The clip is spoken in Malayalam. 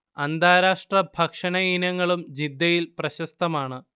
അന്താരാഷ്ട്ര ഭക്ഷണ ഇനങ്ങളും ജിദ്ദയിൽ പ്രശസ്തമാണ്